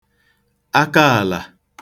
akaàlà